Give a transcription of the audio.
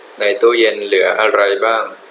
ในตู้เย็นเหลืออะไรบ้าง